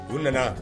U nana